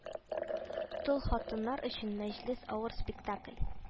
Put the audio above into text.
Тол хатыннар өчен мәҗлес авыр спектакль